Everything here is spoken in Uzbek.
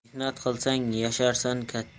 mehnat qilsang yasharsan